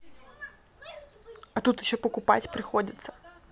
а тут еще покупать приходится